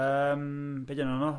Yym be' denw nhw?